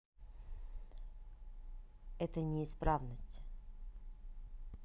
это неисправность